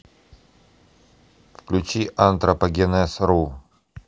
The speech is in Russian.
включи антропогенез ру